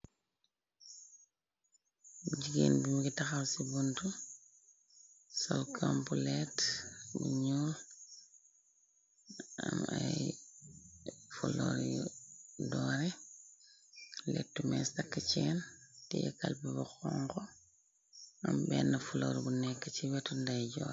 Jigéen mu ngi taxaw ci bunt saw kamb leet bu ñul am ay floridoore lettu mées takk ceen ti yakalpbkongo am benn flor bu nekk ci wetu nday jor.